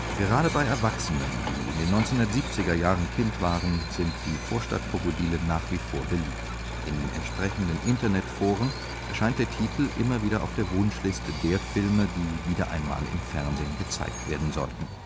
Gerade bei Erwachsenen, die in den 1970er Jahren Kind waren, sind Die Vorstadtkrokodile nach wie vor beliebt; in entsprechenden Internetforen erscheint der Titel immer wieder auf der Wunschliste der Filme, die wieder einmal im Fernsehen gezeigt werden sollten